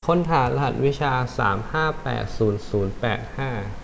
ค้นหารหัสวิชาสามห้าแปดศูนย์ศูนย์แปดห้า